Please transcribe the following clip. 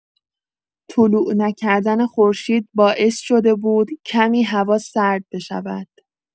طلوع‌نکردن خورشید باعث شده بود کمی هوا سرد بشود.